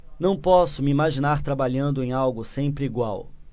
não posso me imaginar trabalhando em algo sempre igual